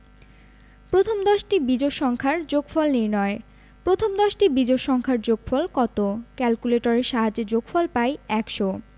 প্রথম দশটি বিজোড় সংখ্যার যোগফল নির্ণয় প্রথম দশটি বিজোড় সংখ্যার যোগফল কত ক্যালকুলেটরের সাহায্যে যোগফল পাই ১০০